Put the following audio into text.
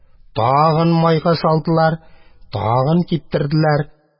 Тагын майга салдылар, тагын киптерделәр.